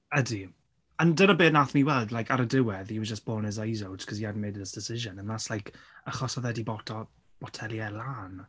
Ydy a dyna beth wnaethon ni weld like ar y diwedd he was just balling his eyes out because he hadn't made his decision and that's like achos oedd e 'di boto- boteli e lan.